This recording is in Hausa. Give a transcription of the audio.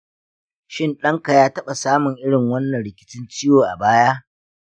shin ɗanka ya taɓa samun irin wannan rikicin ciwo a baya?